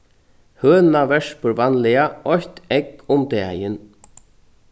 høna verpur vanliga eitt egg um dagin